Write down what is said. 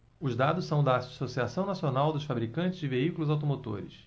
os dados são da anfavea associação nacional dos fabricantes de veículos automotores